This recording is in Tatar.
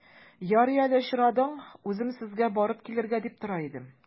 Ярый әле очрадың, үзем сезгә барып килергә дип тора идем.